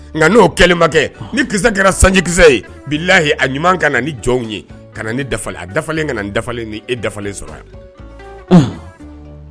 Nka n'o kɛlenmakɛ ni kisɛ kɛra sanjikisɛ ye bilaahi a ɲuman ka na ni jɔnw ye ka na ne dafalen a dafalen kana n dafalen ni e dafalen sɔrɔ yan anhan